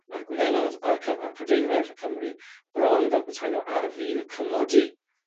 ...ma'r Gwyddelod a'r Cy- a'r Prydeinwyr y Cymru bron fel petai nw ar fin cymodi.